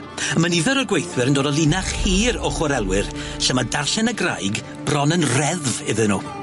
A ma' nifer o'r gweithwyr yn dod o linach hir o chwarelwyr lle ma' darllen y graig bron yn reddf iddyn nhw.